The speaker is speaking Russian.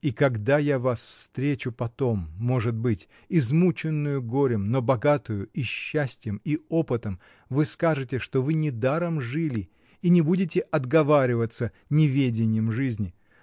— И когда я вас встречу потом, может быть измученную горем, — но богатую и счастьем, и опытом, вы скажете, что вы не даром жили, и не будете отговариваться неведением жизни.